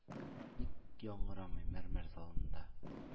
Ник яңрамый мәрмәр залыңда?